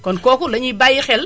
kon kooku lañuy bàyyi xel